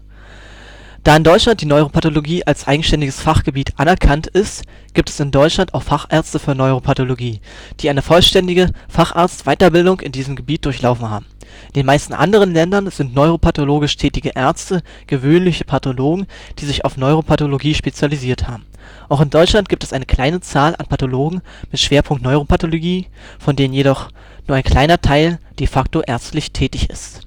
Da in Deutschland die Neuropathologie als eigenständiges Fachgebiet anerkannt ist, gibt es in Deutschland auch Fachärzte für Neuropathologie, die eine vollständige Facharztweiterbildung in diesem Gebiet durchlaufen haben. In den meisten anderen Ländern sind neuropathologisch tätige Ärzte „ gewöhnliche “Pathologen, die sich auf Neuropathologie spezialisiert haben. Auch in Deutschland gibt es eine kleine Zahl an Pathologen mit Schwerpunkt Neuropathologie, von denen jedoch nur ein kleiner Anteil de facto ärztlich tätig ist